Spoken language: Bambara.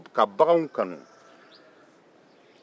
ka baganw kanu